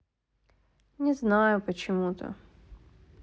не знаю почему то